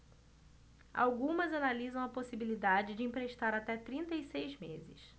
algumas analisam a possibilidade de emprestar até trinta e seis meses